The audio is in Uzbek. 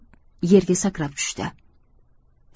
yerga sakrab tushdi